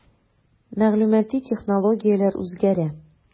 Мәгълүмати технологияләр үзгәрә.